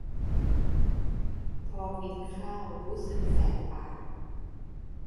พอกินข้าวรู้สึกแสบปาก